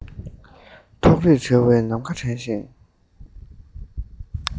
ཐོགས རེག བྲལ བའི ནམ མཁའ དྲན ཅིང